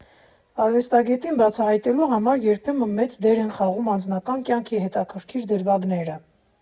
Արվեստագետին բացահայտելու համար երբեմն մեծ դեր են խաղում անձնական կյանքի հետաքրքիր դրվագները։